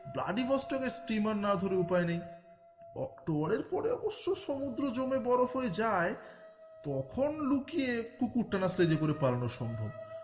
ব্লাডিভস্টকের steamer না ধরে উপায় নেই অক্টোবর এর পর অবশ্য সমুদ্র জমে বরফ হয়ে যায় তখন লুকিয়ে কুকুরটানা স্লেজে করে পালানো সম্ভব